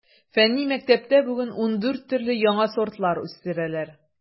Фәнни мәктәптә бүген ундүрт төрле яңа сортлар үстерәләр.